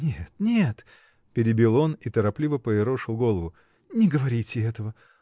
— Нет, нет, — перебил он и торопливо поерошил голову, — не говорите этого.